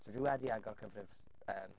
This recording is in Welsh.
So dwi wedi agor cyfrif s- yym.